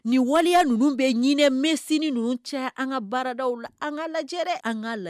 Nin waliya ninnu bɛ ɲin msin ninnu cɛ an ka baaradaw la an ka lajɛɛrɛ an ka la